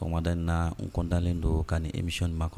Sɔgɔmada in naa n content ne don ka nin émission ni makɔ